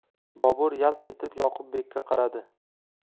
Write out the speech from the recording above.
bobur yalt etib yoqubbekka qaradi